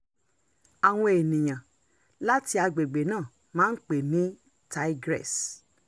Àwọn ènìyàn láti agbègbè náà máa ń pè é ní "tigress".